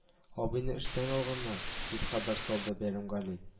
— абыйны эштән алганнар, — дип, хәбәр салды бәйрәмгали